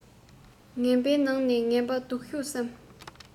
ངན པའི ནང ནས ངན པ སྡུག ཤོས སམ